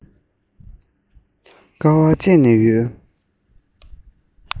དཀའ བ སྤྱད ནས ཡོད